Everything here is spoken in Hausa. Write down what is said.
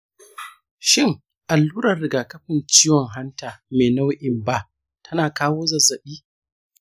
shin allurar rigakafin ciwon hanta mai nau’in b tana kawo zazzaɓi?